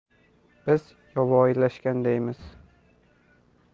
biz yovvoyilashgan deymiz